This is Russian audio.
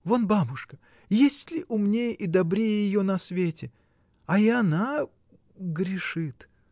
Вон бабушка: есть ли умнее и добрее ее на свете! а и она. грешит.